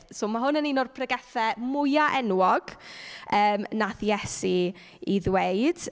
So ma' hwn yn un o'r pregethau mwya enwog wnaeth Iesu ei ddweud.